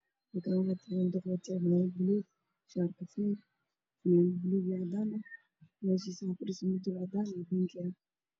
Halkaan waxaa ka muuqda nin oday ah oo wato cimaamad color keeda uu yahay buluug shaatiga uu qabo waa cadays